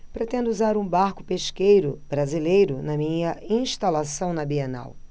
pretendo usar um barco pesqueiro brasileiro na minha instalação na bienal